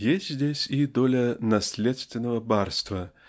Есть здесь и доля наследственного барства